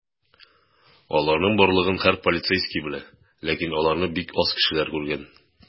Аларның барлыгын һәр полицейский белә, ләкин аларны бик аз кешеләр күргән.